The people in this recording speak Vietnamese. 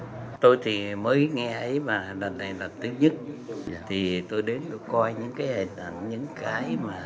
tôi thì mới nghe ấy mà lần này là tôi biết thì tôi đến tôi coi những cái hình ảnh những cái mà